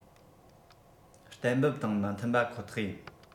གཏན འབེབས དང མི མཐུན པ ཁོ ཐག ཡིན